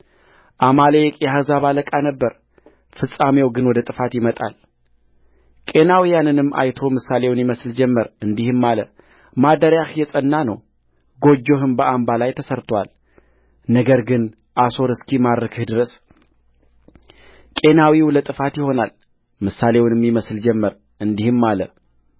አማሌቅ የአሕዛብ አለቃ ነበረፍጻሜው ግን ወደ ጥፋት ይመጣልቄናውያንንም አይቶ ምሳሌውን ይምስል ጀመር እንዲህም አለማደሪያህ የጸና ነውጎጆህም በአምባ ላይ ተሠርቶአልነገር ግን አሦር እስኪማርክህ ድረስ ቄናዊው ለጥፋት ይሆናልምሳሌውንም ይመስል ጀመር እንዲህም አለ